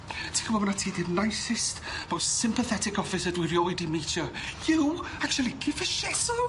Ti'n gwbo' bo' na ti 'di'r nicest, most sympathetic officer dwi rioed 'di meetio. You actually give a shit! So?